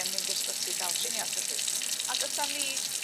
yn mynd i'r sbyty i ga'l triniath felly. Ag ydan ni